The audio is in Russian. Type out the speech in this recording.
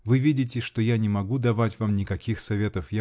Вы видите, что я не могу давать вам никаких советов.